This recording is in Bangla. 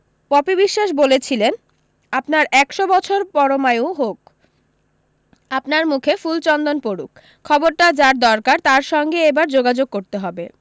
পপি বিশোয়াস বলেছিলেন আপনার একশো বছর পরমায়ু হোক আপনার মুখে ফুলচন্দন পড়ুক খবরটা যার দরকার তার সঙ্গে এবার যোগাযোগ করতে হবে